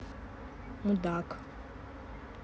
мудак